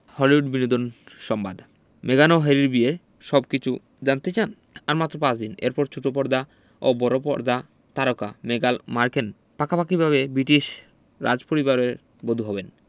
Hollywood বিনোদন সংবাদ মেগান ও হ্যারির বিয়ের সবকিছু জানতে চান আর মাত্র পাঁচ দিন এরপর ছোট পর্দা ও বড় পর্দার তারকা মেগান মার্কেল পাকাপাকিভাবে ব্রিটিশ রাজপরিবারের বধূ হবেন